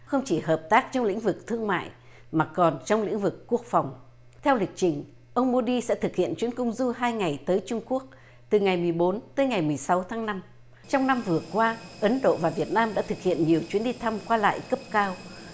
không chỉ hợp tác trong lĩnh vực thương mại mà còn trong lĩnh vực quốc phòng theo lịch trình ông mô đi sẽ thực hiện chuyến công du hai ngày tới trung quốc từ ngày mười bốn tới ngày mười sáu tháng năm trong năm vừa qua ấn độ và việt nam đã thực hiện nhiều chuyến đi thăm quan lại cấp cao